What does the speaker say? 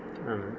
amine